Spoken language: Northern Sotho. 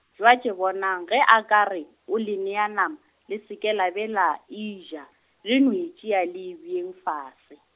bja ke bonang ge a ka re o le nea nama, le seke la be la e ja, le no e tšea le beeng fase.